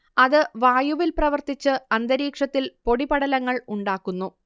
അത് വായുവിൽ പ്രവർത്തിച്ച് അന്തരീക്ഷത്തിൽ പൊടിപടലങ്ങൾ ഉണ്ടാക്കുന്നു